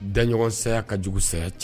Daɲɔgɔnsaya ka juguya sayaya cɛ